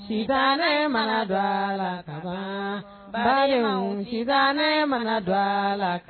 San ne mana dɔ la ba ne mana dɔgɔ la